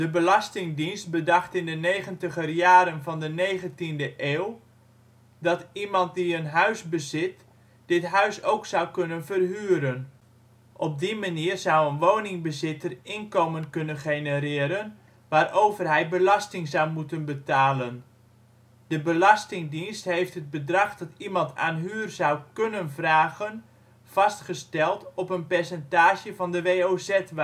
Belastingdienst bedacht in de negentiger jaren van de negentiende eeuw (invoering 1893) dat iemand die een huis bezit, dit huis ook zou kunnen verhuren. Op die manier zou een woningbezitter inkomen kunnen genereren, waarover hij belasting zou moeten betalen. De Belastingdienst heeft het bedrag dat iemand aan huur zou kúnnen vragen vastgesteld op een percentage van de WOZ-waarde